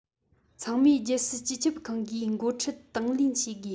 ཚང མས རྒྱལ སྲིད སྤྱི ཁྱབ ཁང གིས འགོ ཁྲིད དང ལེན བྱེད དགོས